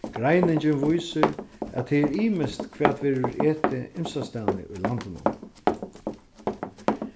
greiningin vísir at tað er ymiskt hvat verður etið ymsastaðni í landinum